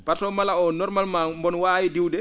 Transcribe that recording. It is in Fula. par ce mala normalement mboonin waawi diwde